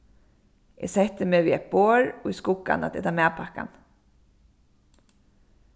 eg setti meg við eitt borð í skuggan at eta matpakkan